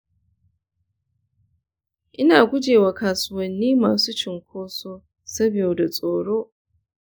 ina guje wa kasuwanni masu cunkoso saboda tsoro.